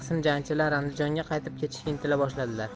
qism jangchilar andijonga qaytib ketishga intila boshladilar